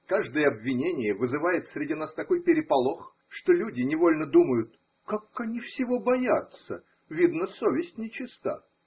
Каждое обвинение вызывает среди нас такой переполох, что люди невольно думают: как они всего боятся! Видно, совесть нечиста.